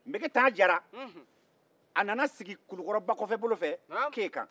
megetan jara a nana sigi kulukɔrɔ bakɔfɛ bolofɛ ke kan